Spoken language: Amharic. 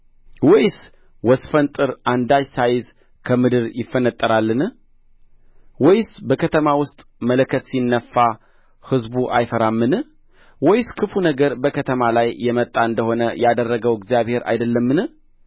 ወይስ ወስፈንጠር አንዳች ሳይዝ ከምድር ይፈነጠራልን ወይስ በከተማ ውስጥ መለከት ሲነፋ ሕዝቡ አይፈራምን ወይስ ክፉ ነገር በከተማ ላይ የመጣ እንደ ሆነ ያደረገው እግዚአብሔር አይደለምን